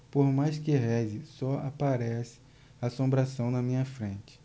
por mais que reze só aparece assombração na minha frente